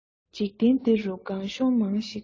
འཇིག རྟེན འདི རུ སྒང གཤོང མང ཞིག འདུག